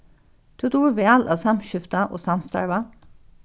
tú dugir væl at samskifta og samstarva